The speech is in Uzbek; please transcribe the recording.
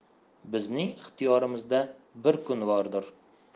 bizning ixtiyorimizda bir kun vordur